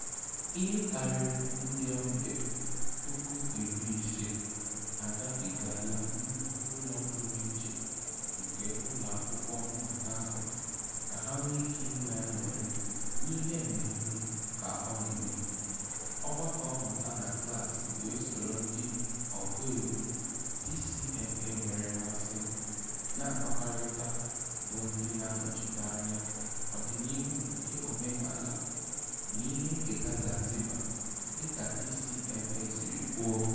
Ihe karịrị ndị ọbịa 15,000 agabigaala nnukwu ụlọ pụrụ iche nke ụlọakwụkwọ mmụta ahụ ka ha nwee ike inwe añụrị n'ihe mmemme ka ọ na-eme, ọgbakọ mmụta na klaasị wee soro ndị ọgụ egwu DCMA nwere mmasị na-akpakọrịta bụ ndị na-anọchite anya ọdịnihu nke omenaala na ihe nketa Zanzibar, dịka DCMA siri kwuo.